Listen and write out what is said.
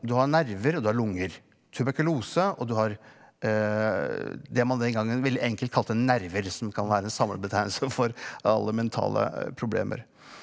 du har nerver og du har lunger tuberkulose og du har det man den gangen veldig enkelt kalte nerver som kan være en samlebetegnelse for alle mentale problemer.